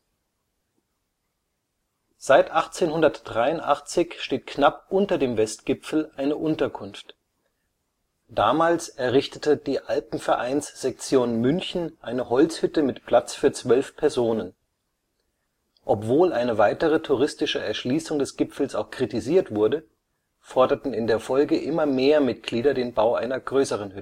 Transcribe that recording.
Seit 1883 steht knapp unter dem Westgipfel eine Unterkunft. Damals errichtete die Alpenvereinssektion München eine Holzhütte mit Platz für zwölf Personen. Obwohl eine weitere touristische Erschließung des Gipfels auch kritisiert wurde, forderten in der Folge immer mehr Mitglieder den Bau einer größeren